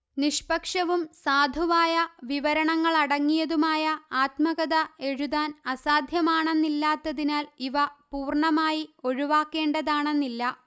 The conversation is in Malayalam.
നിഷ്പക്ഷവും സാധുവായ വിവരങ്ങളടങ്ങിയതുമായ ആത്മകഥ എഴുതാന് അസാധ്യമാണെന്നില്ലാത്തതിനാല് ഇവ പൂര്ണ്ണമായി ഒഴിവാക്കേണ്ടതാണെന്നില്ല